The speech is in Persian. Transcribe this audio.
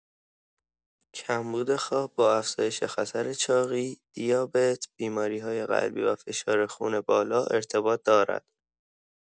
کمبود خواب با افزایش خطر چاقی، دیابت، بیماری‌های قلبی و فشار خون بالا ارتباط دارد.